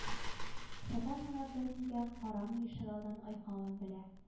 Чатан гына бернигә карамый ишегалдын айкавын белә